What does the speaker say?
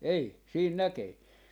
ei siinä näkee